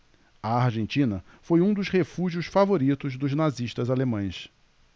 a argentina foi um dos refúgios favoritos dos nazistas alemães